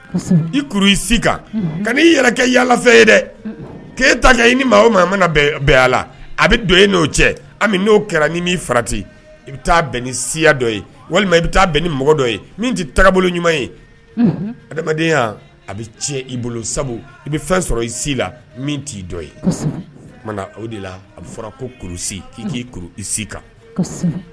I i si ka i yɛrɛ kɛ yaala fɛ ye dɛ keyita kɛ i ni maa manala a bɛ don i n'o cɛ n'o kɛra ni farati i bɛ taa bɛn ni siya dɔ ye walima i bɛ taa bɛn ni mɔgɔ dɔ ye min tɛ taabolo ɲuman ye adamadenya a bɛ cɛ i bolo sabu i bɛ fɛn sɔrɔ i si la min t'i dɔ ye o o de a bɛ fɔra ko kulusi k'i k i si kan